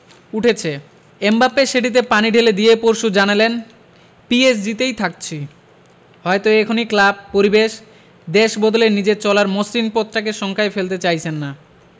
উঠেছে এমবাপ্পে সেটিতে পানি ঢেলে দিয়ে পরশু জানালেন পিএসজিতেই থাকছি হয়তো এখনই ক্লাব পরিবেশ দেশ বদলে নিজের চলার মসৃণ পথটাকে শঙ্কায় ফেলতে চাইছেন না